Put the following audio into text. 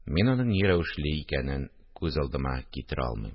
Мин аның ни рәвешле икәнен күз алдыма китерә алмыйм